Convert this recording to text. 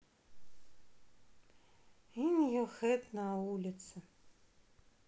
ин йо хед на улице